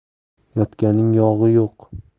yotganning yog'i yo'q